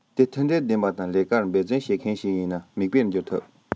དེ མཐུན སྒྲིལ ལྡན པ དང ལས ཀར འབད རྩོན བྱེད མཁན ཞིག ཡིན ན མིག དཔེར གྱུར ཐུབ